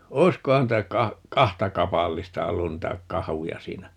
olisikohan niitä - kahta kapallista ollut niitä kahuja siinä